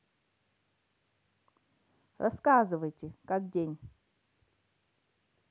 рассказывайте как день